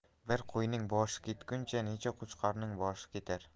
bir qo'yning boshi ketguncha necha qo'chqorning boshi ketar